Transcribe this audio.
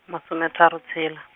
masometharo tsela.